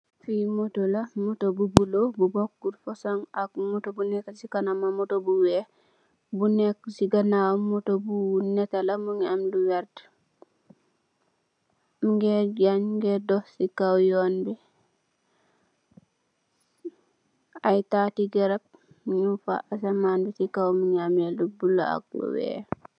Lii motor laa, motor bu bule bu bokul fason ak motor busi kanamam, motor bu weex, bu nekii si ganawam motor bu neteh la ak verti. Mungii daww sii kaww yonn bii, aii tatii garapp mungfa, asamansii mungii amm lu bule ak verti.